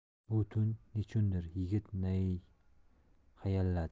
bu tun nechundir yigit hayalladi